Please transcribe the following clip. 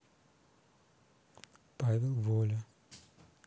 павел воля